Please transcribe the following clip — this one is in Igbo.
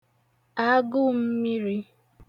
agụụ̄ mmiri